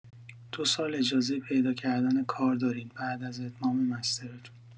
دو سال اجازه پیدا کردن کار دارین بعد از اتمام مسترتون.